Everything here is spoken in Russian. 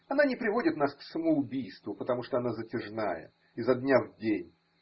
Она не приводит нас к самоубийству, потому что она затяжная. изо дня в день.